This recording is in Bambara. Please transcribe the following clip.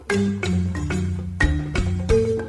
San